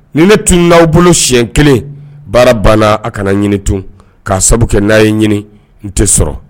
Ni ne tunu n'aw bolo siɲɛ kelen baara banna a kana ɲini tun, k'a sababu kɛ n'a ye ɲini n tɛ sɔrɔ.